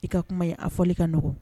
I ka kuma in, a fɔli ka nɔgɔ.